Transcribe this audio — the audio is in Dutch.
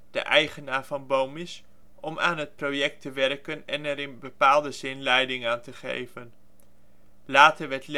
de eigenaar van Bomis, om aan het project te werken en er in bepaalde zin leiding aan te geven. Later werd